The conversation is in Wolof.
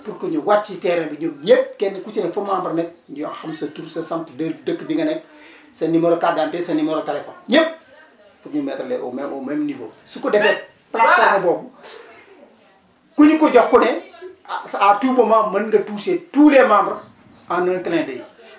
pour que ñu wàcc ci terrain bi ñoom ñëpp kenn ku ci ne fu membre ne ñu xam sa tur sa sant dë dëkk bi nga nekk sa numéro carte d' identité sa numéro téléphone ñëpp pour ñu mettre leen au même au même niveau su ko defee plateforme boobu ku ñu ko jox ku ne ah ce à tout moment mën nga toucher tous les membres en un clein d' oeil